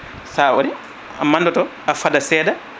sa waɗi a mandoto a fadat seeɗa